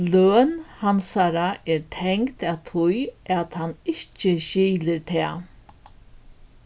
løn hansara er tengd at tí at hann ikki skilur tað